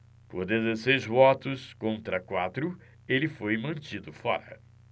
por dezesseis votos contra quatro ele foi mantido fora